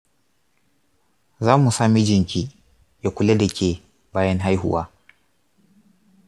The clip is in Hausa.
za mu sa mijinki ya kula da ke bayan haihuwa.